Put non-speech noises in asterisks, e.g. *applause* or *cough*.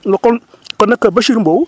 kon *smacks lips* kon nag Bachir Mbow